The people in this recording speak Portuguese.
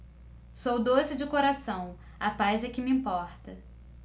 sou doce de coração a paz é que me importa